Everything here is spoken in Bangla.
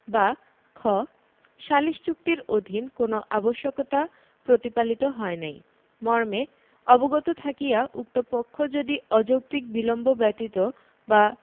বা খ সালিস চুক্তির অধীন কোন আবশ্যকতা প্রতিপালিত হয় নাই মর্মে অবগত থাকিয়া উক্ত পক্ষ যদি অযৌক্তিক বিলম্ব ব্যতীত বা